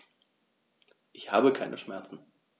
Ich habe keine Schmerzen.